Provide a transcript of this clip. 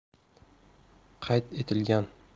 qayd etilgan